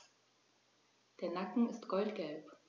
Der Nacken ist goldgelb.